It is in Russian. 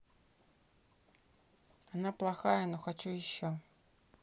она плохая но хочу еще